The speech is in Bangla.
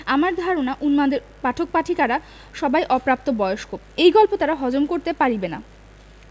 আমার ধারণা উন্মাদের পাঠক পাঠিকারা সবাই অপ্রাতবয়স্ক এই গল্প তারা হজম করতে পারিবে না